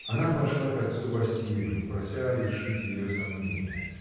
Она пошла к отцу Василью, прося решить ее сомнения.